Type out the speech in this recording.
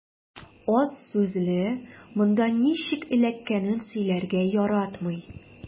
Аз сүзле, монда ничек эләккәнен сөйләргә яратмый.